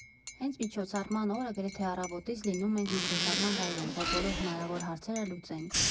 Հենց միջոցառման օրը գրեթե առավոտից լինում ենք միջոցառման վայրում, որ բոլոր հնարավոր հարցերը լուծենք։